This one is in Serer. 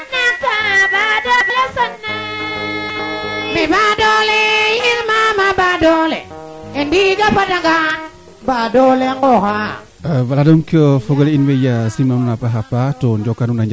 soo anda ye roog ndingil nduɓaaɓ miñe rokid meeke a sinig nduɓaaɓ sax a rokiida a sinig bo miñu rookiin meeke a sinig nduɓaaɓ sax a rokiida a sinig bo miñu to affaire meteologie leyaan meen iyo